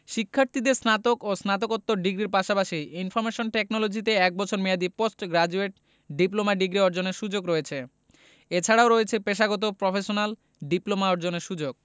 শিক্ষার্থীদের স্নাতক ও স্নাতকোত্তর ডিগ্রির পাশাপাশি ইনফরমেশন টেকনোলজিতে এক বছর মেয়াদি পোস্ট গ্রাজুয়েট ডিপ্লোমা ডিগ্রি অর্জনের সুযোগ রয়েছে এছাড়া রয়েছে পেশাগত প্রফেশনাল ডিপ্লোমা অর্জনের সুযোগ